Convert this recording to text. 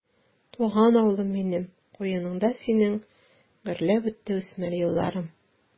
Туган авылым минем, куеныңда синең гөрләп үтте үсмер елларым.